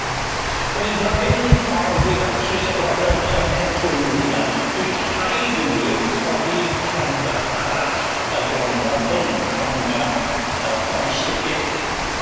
Wedyn do'dd dim ffordd i ddatrys y broblem ym Mhentwyn 'i hunan bu'n rhaid yn wir codi cronfa arall y gronfa hwn, cronfa yy Pon Sticyll.